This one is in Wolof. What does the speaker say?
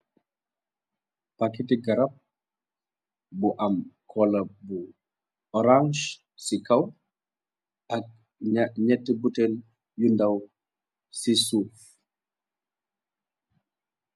Paketi garab bu am kola bu orange ci kaw ak ñett butel yu ndaw ci suuf.